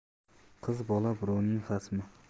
qiz bola birovning xasmi